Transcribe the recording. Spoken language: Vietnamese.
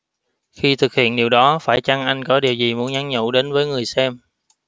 khi thực hiện điều đó phải chăng anh có điều gì muốn nhắn nhủ đến với người xem